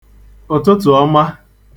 ụtụtụ ọma